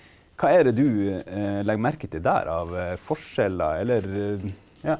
hva er det du legger merke til der av forskjeller, eller ja?